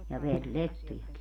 ja verilettujakin